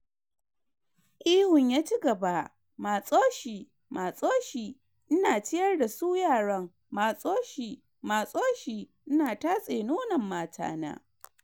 Ihun ya cigaba: "Matso shi, Matso shi, ina ciyar da su yaran, Matso shi, Matso shi, ina tatse nono matana."